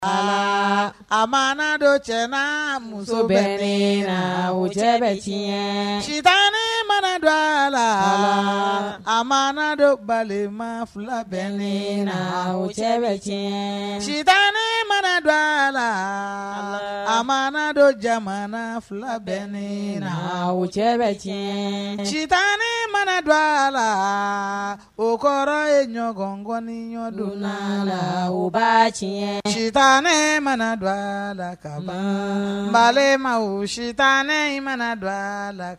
A a ma dɔ cɛ muso bɛ le la wo cɛ bɛ tiɲɛ cita mana don a la a ma dɔ balima fila bɛ le na wo cɛ bɛ cɛ cita mana don a la a ma don jamana fila bɛ ne na o cɛ bɛ tiɲɛ cita ne mana don a la o kɔrɔ ye ɲɔgɔnkɔni ɲɔgɔndon la la ba tiɲɛ cita ne mana don a la kalan bama wo sita ne mana don a la